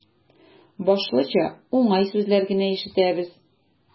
Башлыча, уңай сүзләр генә ишетәбез.